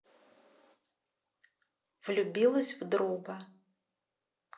влюбилась в друга